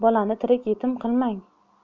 bolani tirik yetim qilmang